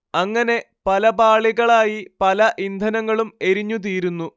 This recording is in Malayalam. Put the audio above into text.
അങ്ങനെ പല പാളികളായി പല ഇന്ധനങ്ങളും എരിഞ്ഞുതീരുന്നു